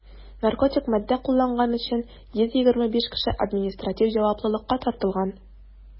Наркотик матдә кулланган өчен 125 кеше административ җаваплылыкка тартылган.